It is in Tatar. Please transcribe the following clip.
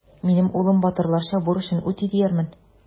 Минем улым батырларча бурычын үти диярмен.